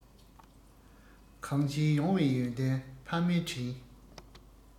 གང བྱས ཡོང བའི ཡོན ཏན ཕ མའི དྲིན